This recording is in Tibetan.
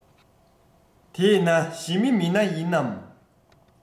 དེ ན ཞི མི མི སྣ ཡིན ནམ